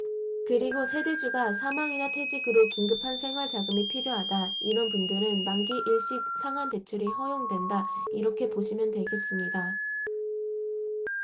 그리고 세대주가 사망이나 퇴직으로 긴급한 생활자금이 필요하다 이런 분들은 만기 일시 상환대출이 허용된다 이렇게 보시면 되겠습니다